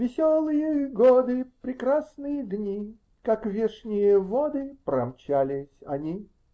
-- Веселые годы, Прекрасные дни, -- Как вешние воды Промчались они.